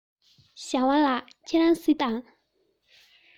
ཞའོ ཝང ལགས ཁྱེད རང གཟིགས དང